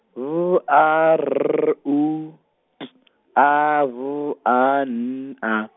B A R U, T A B A N A .